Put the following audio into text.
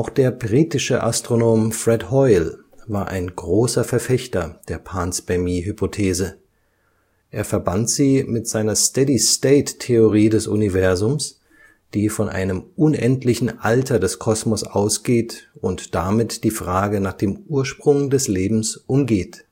der britische Astronom Fred Hoyle war ein großer Verfechter der Panspermie-Hypothese. Er verband sie mit seiner Steady-State-Theorie des Universums, die von einem unendlichen Alter des Kosmos ausgeht und damit die Frage nach dem Ursprung des Lebens umgeht